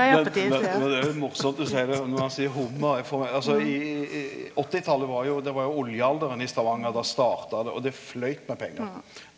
men men men det er litt morosamt du seier det når han seier hummar eg får altså i i i åttitalet var jo det var jo oljealderen i Stavanger, då starta det og det flaut med pengar.